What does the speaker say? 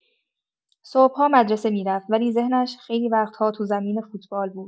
صبح‌ها مدرسه می‌رفت، ولی ذهنش خیلی وقت‌ها تو زمین فوتبال بود.